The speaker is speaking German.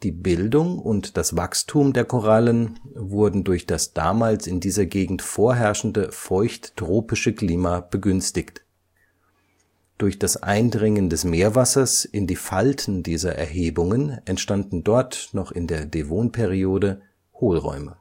Bildung und das Wachstum der Korallen wurden durch das damals in dieser Gegend vorherrschende feuchttropische Klima begünstigt. Durch das Eindringen des Meerwassers in die Falten dieser Erhebungen entstanden dort noch in der Devonperiode Hohlräume